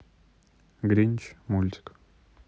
гринч мультик